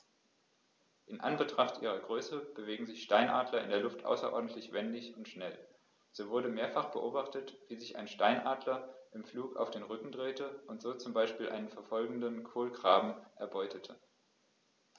In Anbetracht ihrer Größe bewegen sich Steinadler in der Luft außerordentlich wendig und schnell, so wurde mehrfach beobachtet, wie sich ein Steinadler im Flug auf den Rücken drehte und so zum Beispiel einen verfolgenden Kolkraben erbeutete.